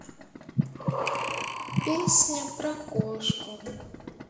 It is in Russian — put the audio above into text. песня про кошку